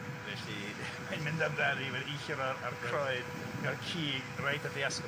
Felly mae'n mynd amdani mae'n eillio fel a'r croen... Ocê. ...a'r cig reit at ei asgwrn.